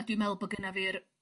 A dwi me'wl bo' gynna fi'r